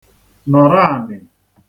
nọrọ anị